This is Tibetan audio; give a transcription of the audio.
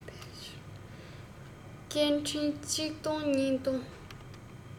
སྐད འཕྲིན གཅིག བཏང གཉིས བཏང